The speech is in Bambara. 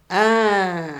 Aaaaa